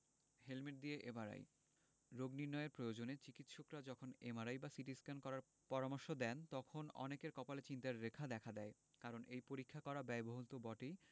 helmet দিয়ে MRI রোগ নির্নয়ের প্রয়োজনে চিকিত্সকরা যখন এমআরআই বা সিটিস্ক্যান করার পরামর্শ দেন তখন অনেকের কপালে চিন্তার রেখা দেখা দেয় কারণ এই পরীক্ষা করা ব্যয়বহুল তো বটেই